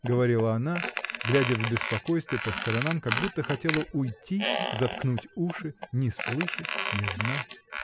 — говорила она, глядя в беспокойстве по сторонам, как будто хотела уйти, заткнуть уши, не слышать, не знать.